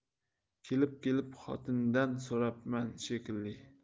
kelib kelib xotinidan so'rabman shekilli